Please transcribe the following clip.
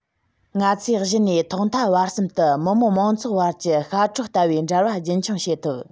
ང ཚོས གཞི ནས ཐོག མཐའ བར གསུམ དུ མི དམངས མང ཚོགས བར གྱི ཤ ཁྲག ལྟ བུའི འབྲེལ བ རྒྱུན འཁྱོངས བྱེད ཐུབ